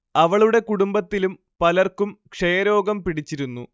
അവളുടെ കുടുംബത്തിലും പലർക്കും ക്ഷയരോഗം പിടിച്ചിരുന്നു